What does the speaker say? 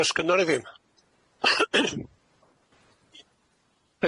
Do's gynno ni ddim.